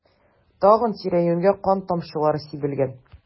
Тагын тирә-юньгә кан тамчылары сибелгән.